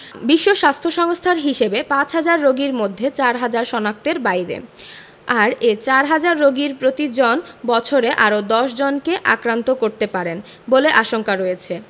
বিশ্ব স্বাস্থ্য সংস্থার হিসেবে পাঁচহাজার রোগীর মধ্যে চারহাজার শনাক্তের বাইরে আর এ চারহাজার রোগীর প্রতিজন বছরে আরও ১০ জনকে আক্রান্ত করতে পারেন বলে আশঙ্কা রয়েছে